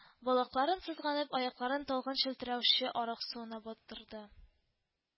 Балакларын сызганып, аякларын талгын челтерәүче арык суына батырды